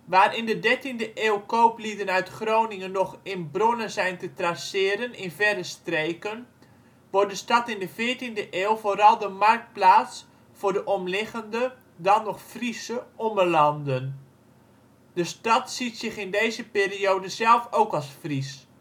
Waar in de dertiende eeuw kooplieden uit Groningen nog in bronnen zijn te traceren in verre streken wordt de stad in de veertiende eeuw vooral de marktplaats voor de omliggende, dan nog Friese Ommelanden. De stad ziet zich in deze periode zelf ook als Fries